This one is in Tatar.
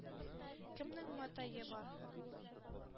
Кемнең матае бар?..